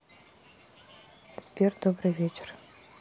сбер добрый вечер